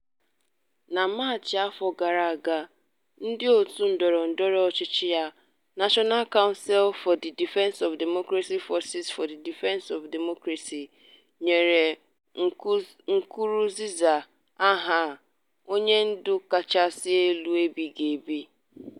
"Na Maachị afọ gara aga, ndị òtù ndọrọndọrọ ọchịchị ya, National Council for the Defense of Democracy-Forces for the Defense of Democracy," nyere Nkurunziza aha a "onye ndu kachasị elu ebighị ebi"